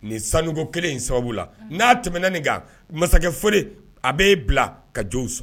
Ni sanu kelen in sababu la n'a tɛmɛna nin kan masakɛ foli a bɛ bila ka jo sɔrɔ